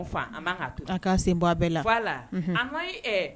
An ka to sen bɔ bɛɛ la' la an ka